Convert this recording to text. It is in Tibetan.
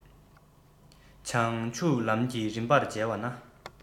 བྱང ཆུབ ལམ གྱི རིམ པར མཇལ བ ན